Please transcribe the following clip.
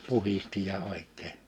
puhdisti ja oikein